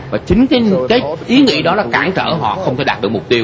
và chính cái cái ý nghĩ đó là cản trở họ không thể đạt được mục tiêu